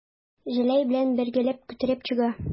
Җәләй белән бергәләп күтәреп чыга.